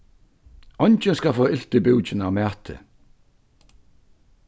eingin skal fáa ilt í búkin av mati